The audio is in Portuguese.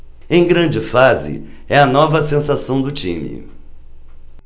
em grande fase é a nova sensação do time